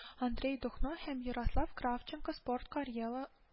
Андрей Духно һәм Ярослав Кравченко спорт карьела